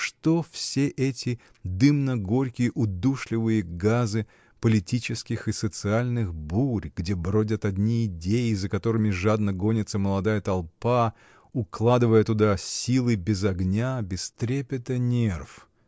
Что все эти дымно-горькие, удушливые газы политических и социальных бурь, где бродят одни идеи, за которыми жадно гонится молодая толпа, укладывая туда силы, без огня, без трепета нерв?